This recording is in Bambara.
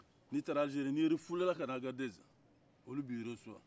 n'i taara alizeri n'i refulela ka na agadɛzi olu b'i eresuwa